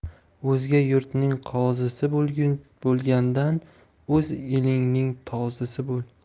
o'zga yurtning qozisi bo'lgandan o'z elingning tozisi bo'l